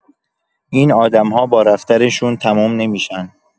این آدم‌ها با رفتنشون تموم نمی‌شن.